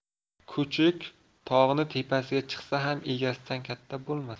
kuchuk torn tepasiga chiqsa ham egasidan katta bo'lmas